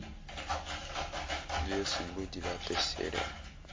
две судьбы девятая серия